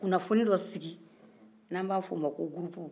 ka kunafoli dɔ sigi n'a b'a f'u ma ko groupe